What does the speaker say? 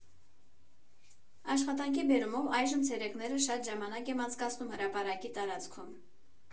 Աշխատանքի բերումով այժմ ցերեկները շատ ժամանակ եմ անցկացնում հրապարակի տարածքում։